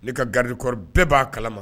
Ne ka garidikɔrɔ bɛɛ b'a kalama